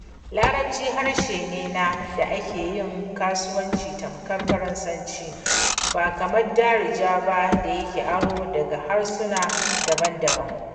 Larabci harshe ne na da ake yin kasuwanci tamkar Faransanci, ba kamar Darija ba da yake aro daga harsuna daban-daban.